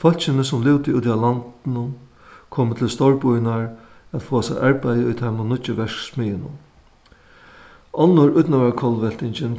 fólkini sum livdu úti á landinum komu til stórbýirnar at fáa sær arbeiði í teimum nýggju verksmiðjunum onnur ídnaðarkollveltingin